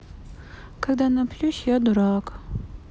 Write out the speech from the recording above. когда напьюсь я дурак